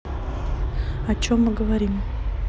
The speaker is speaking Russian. о чем мы говорим